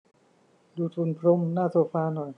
ดูดฝุ่นพรมหน้าโซฟาหน่อย